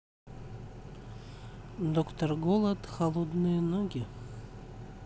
доктор голод холодные ноги